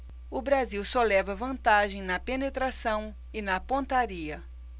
o brasil só leva vantagem na penetração e na pontaria